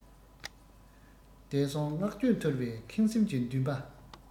འདས སོང བསྔགས བརྗོད ཐོར བའི ཁེངས སེམས ཀྱི འདུན པ